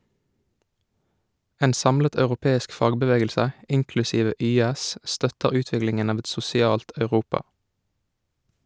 En samlet europeisk fagbevegelse, inklusive YS, støtter utviklingen av et sosialt Europa.